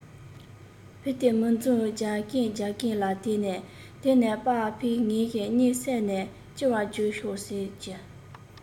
བུ དེས མིག འཛུམ རྒྱག གིན རྒྱག གིན ལ དེ ནས དེ ནས པ ཕས ངའི གཉིད བསད ནས ལྕི བ སྒྲུག ཤོག ཟེར གྱིས